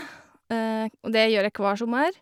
Og det gjør jeg kvar sommer.